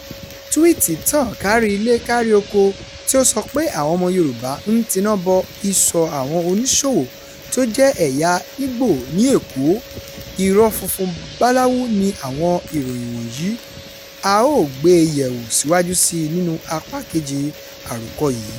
Túwíìtì tàn kárí ilé kárí oko tí ó sọ pé àwọn ọmọ Yorùbá ń tiná bọ ìsọ̀ àwọn oníṣòwò tí ó jẹ́ ẹ̀yà Igbo ní Èkó. Irọ́ funfun báláwú ni àwọn ìròyìn wọ̀nyí, a ó gbé e yẹ̀ wò síwájú sí i nínú Apá kejì àròkọ yìí.